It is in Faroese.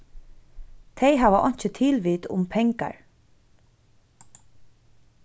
tey hava einki tilvit um pengar